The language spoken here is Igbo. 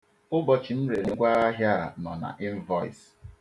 ̣Ụbọchị m rere ngwaahịa a nọ n'ịnvọịsị.